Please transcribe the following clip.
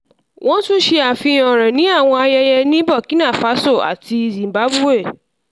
Wọ́n tún ṣe àfihàn rẹ̀ ní àwọn ayẹyẹ ní Burkina Faso àti Zimbabwe.